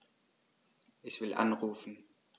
Ich will anrufen.